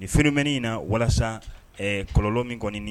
Nin phénomène in na walasa ɛɛ kɔlɔlɔ min kɔni